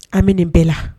An bɛ nin bɛɛ la